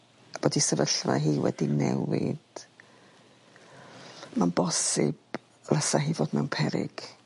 a bod 'i sefyllfa hi wedi newid ma'n bosib fysa hi fod mewn peryg.